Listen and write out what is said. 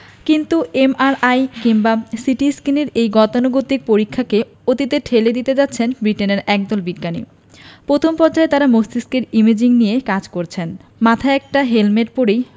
কিন্তু এমআরআই কিংবা সিটিস্ক্যানের এই গতানুগতিক পরীক্ষাকে অতীতে ঠেলে দিতে যাচ্ছেন ব্রিটেনের একদল বিজ্ঞানী প্রথম পর্যায়ে তারা মস্তিষ্কের ইমেজিং নিয়ে কাজ করেছেন মাথায় একটা হেলমেট পরেই